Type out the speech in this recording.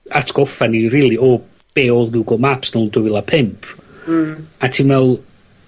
atgoffa ni rili o be' odd Google Maps nôl yn dwy fil a pump. Hmm. A ti'n me'wl...